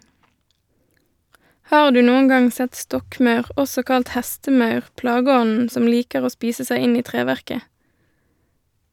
Har du noen gang sett stokkmaur, også kalt hestemaur, plageånden som liker å spise seg inn i treverket?